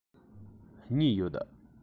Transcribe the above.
གཉིས ཡོད